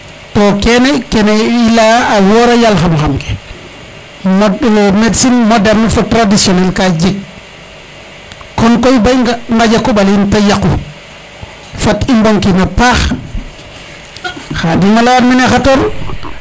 to kene kene i leya a wora yaal xam xam ke medecine moderne fo traditionnel ka jeg kon koy bo i ngaƴa koɓale in te yaqu fat i mbokin a paax Khadim a leyan mene xator